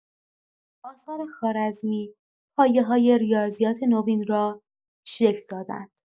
آثار خوارزمی پایه‌های ریاضیات نوین را شکل دادند.